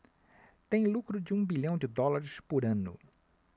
tem lucro de um bilhão de dólares por ano